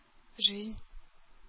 Жизнь